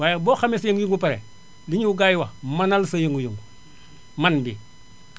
waaye boo xamee sa yëngu-yëngu ba pare li ñu gars yi wax manal sa yëngu-yëngu mën gi